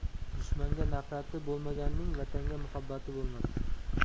dushmanga nafrati bo'lmaganning vatanga muhabbati bo'lmas